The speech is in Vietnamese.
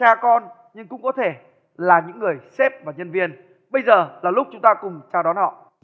cha con nhưng cũng có thể là những người sếp và nhân viên bây giờ là lúc chúng ta cùng chào đón họ